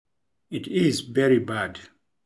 It is very bad.